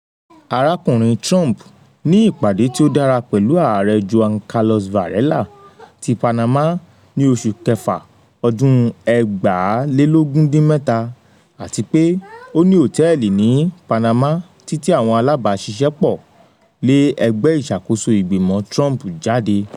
Arakunrin Trump ni ipade ti o dara pẹlu Aare Juan Carlos Varela ti Panama ni oṣu kẹfa 2017 ati pe o ni otẹẹli ni Panama titi awọn alabaṣiṣẹpọ le ẹgbẹ isakoso Igbimọ Trump jade.